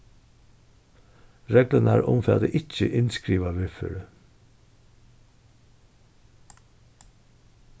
reglurnar umfata ikki innskrivað viðføri